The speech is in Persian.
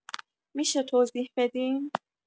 می‌شه توضیح بدین